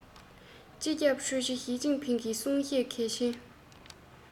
སྐབས བཅོ བརྒྱད པའི ཀྲུང ཨུ ཚང འཛོམས གྲོས ཚོགས ཐེངས གསུམ པའི དགོངས དོན དང